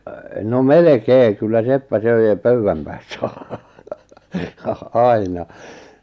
no melkein kyllä seppä söi ja pöydän päässä aina